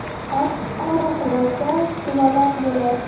ot oriqlasa tuvaloq bo'lar